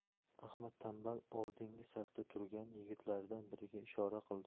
ahmad tanbal oldingi safda turgan yigitlaridan biriga ishora qildi